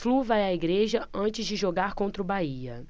flu vai à igreja antes de jogar contra o bahia